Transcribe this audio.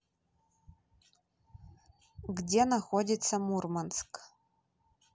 где находится мурманск